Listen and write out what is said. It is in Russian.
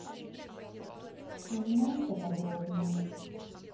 узнай поподробнее